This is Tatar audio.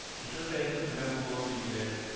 Кишер бәясе түбән булуы билгеле